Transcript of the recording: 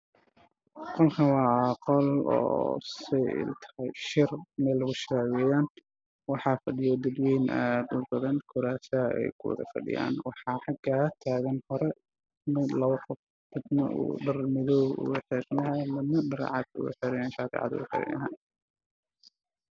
Heshaan amiir hool ah oo lagu shirayo waxaa joogaan dad aada u badan iskugu jiro dumar iyo rag waxaana ku fadhiyaan kuraas buluug gadiid ah